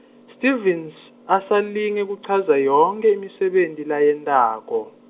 Stevens, asalinge kuchaza yonkhe imisebenti layentako.